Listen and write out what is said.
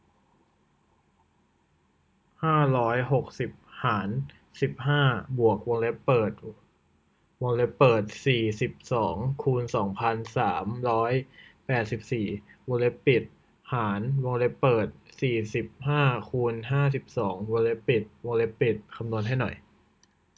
ห้าร้อยหกสิบหารสิบห้าบวกวงเล็บเปิดวงเล็บเปิดสี่สิบสองคูณสองพันสามร้อยแปดสิบสี่วงเล็บปิดหารวงเล็บเปิดสี่สิบห้าคูณห้าสิบสองวงเล็บปิดวงเล็บปิดคำนวณให้หน่อย